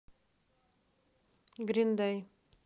грин дэй